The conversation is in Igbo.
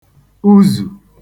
uzù